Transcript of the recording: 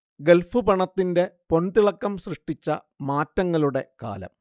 Gulf പണത്തിന്റെ പൊൻതിളക്കം സൃഷ്ടിച്ച മാറ്റങ്ങളുടെ കാലം